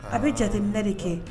A bɛ jateminɛɛnɛ de kɛ